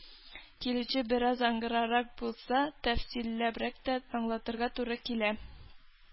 Килүче бераз аңгырарак булса, тәфсилләбрәк тә аңлатырга туры килә.